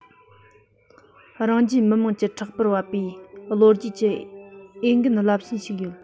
རང རྒྱལ མི དམངས ཀྱི ཕྲག པར བབས པའི ལོ རྒྱུས ཀྱི ལས འགན རླབས ཆེན ཞིག ཡིན